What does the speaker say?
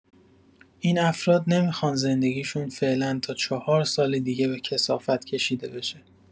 این افراد نمیخوان زندگیشون فعلا تا چهار سال دیگه به کثافت کشیده بشه.